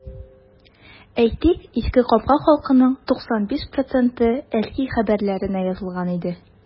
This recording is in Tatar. Әйтик, Иске Камка халкының 95 проценты “Әлки хәбәрләре”нә язылган инде.